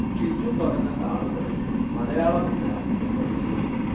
ഷിജു പറഞ്ഞ താളുകളിൽ മലയാളമില്ല എന്നത് ശരി തന്നെ